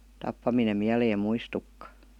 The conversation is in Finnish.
tappaminen mieleen muistukaan